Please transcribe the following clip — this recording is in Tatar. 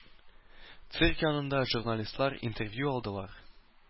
Цирк янында журналистлар интервью алдылар.